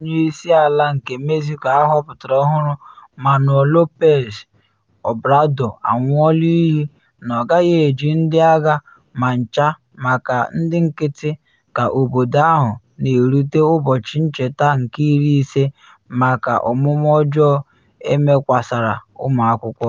Onye isi ala nke Mexico ahọpụtara ọhụrụ Manuel Lopez Obrador anwụọla iyi na ọ gaghị eji ndị agha ma ncha maka ndị nkịtị ka obodo ahụ na erute ụbọchị ncheta nke 50 maka omume ọjọọ emekwasara ụmụ akwụkwọ.